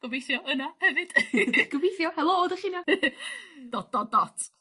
gobeithio yna hefyd. Gobeithio helo o dych chi 'na? Dot dot dot.